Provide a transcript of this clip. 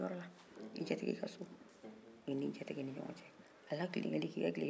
o y'i ni jatigi ni ɲɔgɔn tɛ a la tilenkɛli k'i ka duloki bɔ k'a dulon a fɛyen ko wɛrɛ b'o kɔnɔ